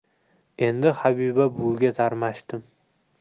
endi habiba buviga tarmashdim